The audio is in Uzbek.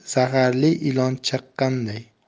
zaharli ilon chaqqanday